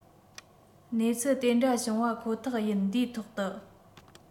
གནས ཚུལ དེ འདྲ བྱུང བ ཁོ ཐག ཡིན འདིའི ཐོག དུ